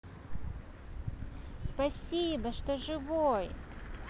спасибо что живой